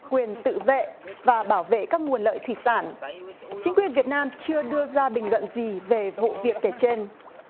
quyền tự vệ và bảo vệ các nguồn lợi thủy sản chính quyền việt nam chưa đưa ra bình luận gì về vụ việc kể trên